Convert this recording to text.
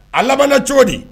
A laban cogo di